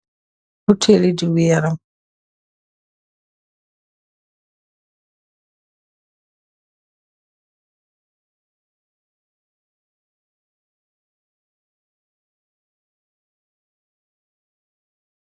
Butèèl li diw yaram.